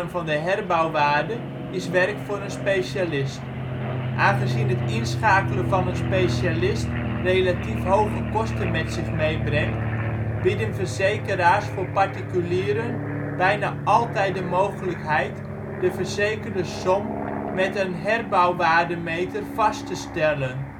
van de herbouwwaarde is werk voor een specialist. Aangezien het inschakelen van een specialist relatief hoge kosten met zich meebrengt, bieden verzekeraars voor particulieren bijna altijd de mogelijkheid de verzekerde som met een herbouwwaardemeter vast te stellen